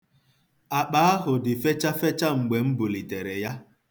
Akpa ahụ dị fechafecha mgbe m bulitere ya.